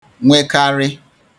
nwekarị